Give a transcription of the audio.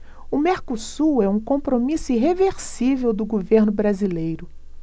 o mercosul é um compromisso irreversível do governo brasileiro